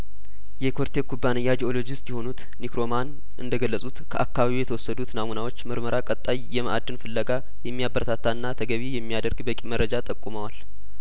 የኮርቴክ ኩባንያ ጂኦሎጂስት የሆኑት ኒክኖርማን እንደገለጹት ከአካባቢው የተወሰዱት ናሙናዎች ምርመራ ቀጣይ የማእድን ፍለጋ የሚያበረታታና ተገቢ የሚያደርግ በቂ መረጃ ጠቁመዋል